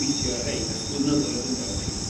gweithio ar rhein ets blynyddoedd ynde wch chi